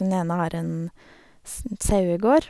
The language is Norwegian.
Hun ene har en sn sauegård.